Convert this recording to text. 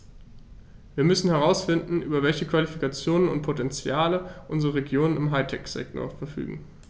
Wir müssen herausfinden, über welche Qualifikationen und Potentiale unsere Regionen im High-Tech-Sektor verfügen.